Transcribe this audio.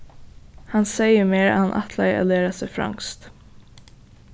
hann segði mær at hann ætlaði at læra seg franskt